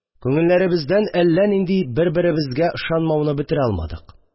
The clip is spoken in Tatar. Күңелләремездән әллә нинди бер-беремезгә ишанмауны бетерә алмадык